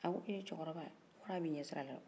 a ko eh cɛkɔrɔba wara bɛ n ɲɛ sira la dɛ